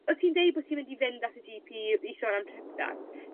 O' ti'n deud bo' ti mynd i fynd at Gee Peei sôn am triptans. j